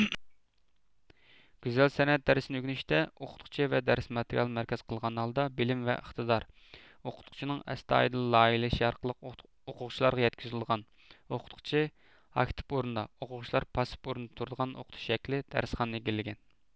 گۈزەل سەنئەت دەرسىنى ئۆگىنىشتە ئوقۇتقۇچى ۋە دەرس ماتېرىيالىنى مەركەز قىلغان ھالدا بىلىم ۋە ئىقتىدار ئوقۇتقۇچىنىڭ ئەستايىدىل لايىھىلىشى ئارقىلىق ئوقۇغۇچىلارغا يەتكۈزۈلىدىغان ئوقۇتقۇچى ئاكتىپ ئورۇندا ئوقۇغۇچىلار پاسسىپ ئورۇندا تۇرىدىغان ئوقۇتۇش شەكلى دەرسخانىنى ئىگىلىگەن